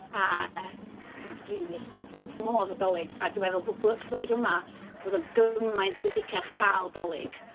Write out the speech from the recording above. A, dwi'n rili... dwi'n wrth fy modd efo 'Dolig, a dwi'n meddwl bod bly- 'Dolig yma, bod o'n gymaint pwysicach cael 'Dolig.